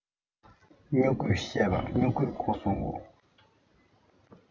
སྨྱུ གུའི བཤད པ སྨྱུ གུས གོ སོང ངོ